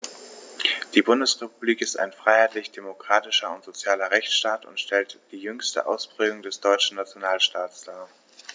Die Bundesrepublik ist ein freiheitlich-demokratischer und sozialer Rechtsstaat und stellt die jüngste Ausprägung des deutschen Nationalstaates dar.